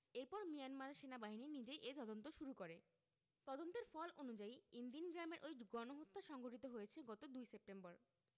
এরপর মিয়ানমার সেনাবাহিনী নিজেই এ তদন্ত শুরু করে তদন্তের ফল অনুযায়ী ইনদিন গ্রামের ওই গণহত্যা সংঘটিত হয়েছে গত ২ সেপ্টেম্বর